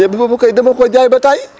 ñebe boobu kay dama ko jaay ba tayyi